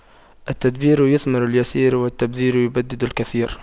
التدبير يثمر اليسير والتبذير يبدد الكثير